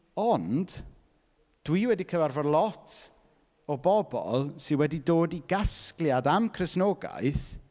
Ond dwi wedi cyfarfod lot o bobl sy wedi dod i gasgliad am Cristnogaeth